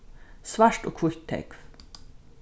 svart og hvítt tógv